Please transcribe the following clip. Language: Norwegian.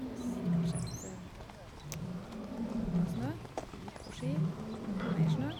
Vi stort sett måka snø, gikk på ski, og måka mer snø.